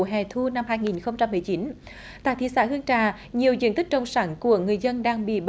hè thu năm hai nghìn không trăm mười chín tại thị xã hương trà nhiều diện tích trồng sản của người dân đang bị